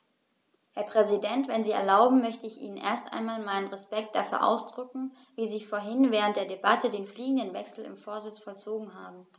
Herr Präsident, wenn Sie erlauben, möchte ich Ihnen erst einmal meinen Respekt dafür ausdrücken, wie Sie vorhin während der Debatte den fliegenden Wechsel im Vorsitz vollzogen haben.